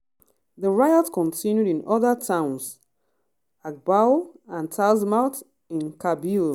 The riots continued in other towns: Akbou and Tazmalt in Kabylie.